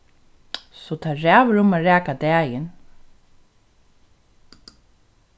so tað ræður um at raka dagin